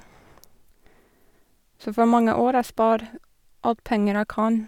Så for mange år jeg spar alt penger jeg kan.